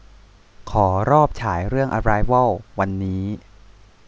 ขอรอบฉายเรื่องอะไรวอลวันนี้